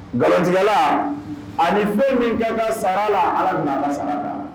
Nkalontikɛla ani ni fɛn min ka kan sara la, Ala bɛna a ka sara d'a ma.